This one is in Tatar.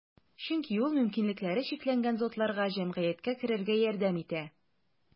Чөнки ул мөмкинлекләре чикләнгән затларга җәмгыятькә керергә ярдәм итә.